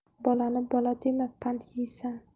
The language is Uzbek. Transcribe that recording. bolani bola dema pand yeysan